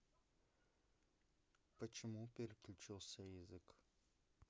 почему переключился язык